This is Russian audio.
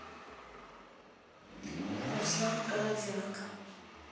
руслан голоденко